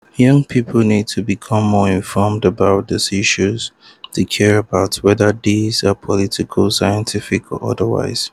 Young people need to become more informed about the issues they care about — whether these are political, scientific, or otherwise.